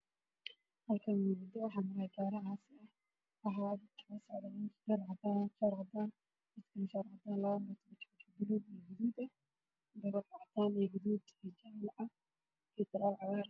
Hal kaan waxaa ka muuqda guri dabaq ah waxaa hoos maraayo gaari cadaan ah